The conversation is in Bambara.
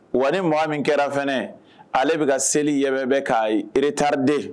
Wa ni mɔgɔ min kɛra fana ale bɛ ka seli yɛrɛ bɛ k'a iretariden